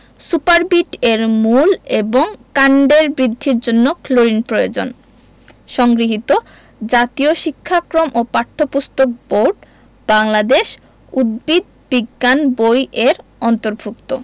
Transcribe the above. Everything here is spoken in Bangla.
সুপারবিট এর মূল এবং কাণ্ডের বৃদ্ধির জন্য ক্লোরিন প্রয়োজন সংগৃহীত জাতীয় শিক্ষাক্রম ও পাঠ্যপুস্তক বোর্ড বাংলাদেশ উদ্ভিদ বিজ্ঞান বই এর অন্তর্ভুক্ত